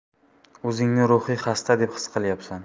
o'zingni ruhiy xasta deb his qilyapsan